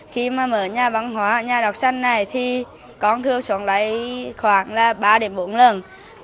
khi mà mở nhà văn hóa nhà đọc sách này thì con thường xuống đây khoảng là ba đến bốn lần